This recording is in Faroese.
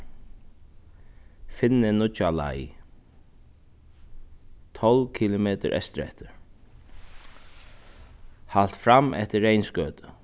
finni nýggja leið tólv kilometur eystureftir halt fram eftir reynsgøtu